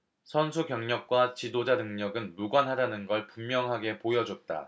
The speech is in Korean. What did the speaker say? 선수 경력과 지도자 능력은 무관하다는 걸 분명하게 보여줬다